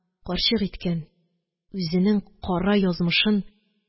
Карчык иткән, үзенең кара язмышын